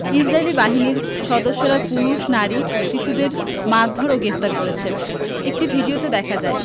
ইসরাইলী বাহিনীর সদস্যরা পুরুষ নারী ও শিশুদের মারধোর ও গ্রেফতার করেছে একটি ভিডিওতে দেখা যায়